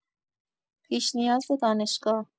پیش‌نیاز دانشگاه